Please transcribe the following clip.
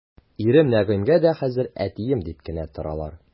Ирем Нәгыймгә дә хәзер әтием дип кенә торалар.